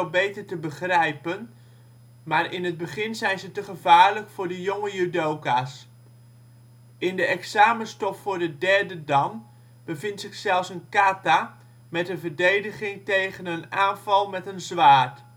beter te begrijpen maar in het begin zijn ze te gevaarlijk voor de jonge judoka 's. In de examenstof voor de 3de dan bevindt zich zelfs een kata met een verdediging tegen een aanval met een zwaard